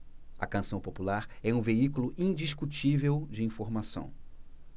a canção popular é um veículo indiscutível de informação